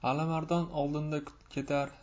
alimardon oldinda ketar